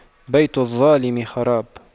بيت الظالم خراب